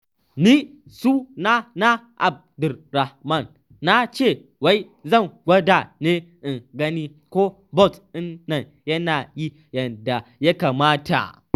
Sainsbury’s yana shirye-shiryen shiga kasuwar kwalliya ta Birtaniyya